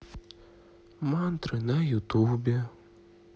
мантры на ютубе